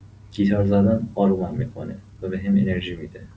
گیتار زدن آرومم می‌کنه و بهم انرژی می‌ده.